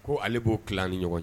Ko ale b'o tila an ni ɲɔgɔn cɛ.